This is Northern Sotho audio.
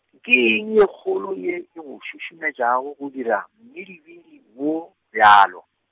ke eng ye kgolo ye, e go šušumetšago go dira, mmidibidi, wo bjalo?